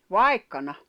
vaikkana